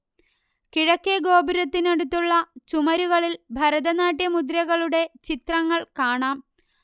കിഴക്കേ ഗോപുരത്തിനടുത്തുള്ള ചുമരുകളിൽ ഭരതനാട്യ മുദ്രകളുടെ ചിത്രങ്ങൾ കാണാം